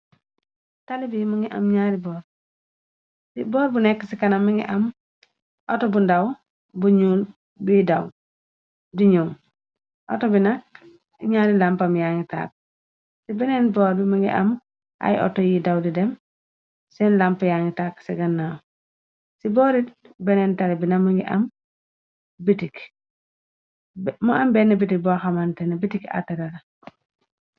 Talibi boor bu nekk ci kanaw mingi am auto bu ndaw buñu biy daw di ñoom auto binakk ñaari lamp am yangi tàkk. ci beneen boor bi më ngi am ay auto yiy daw di dem seen lamp yangi tàkk ci gannaaw ci boori beneen tali bina ma ngi am bitik mu am benn bitik bo xamante na bitik àtarala.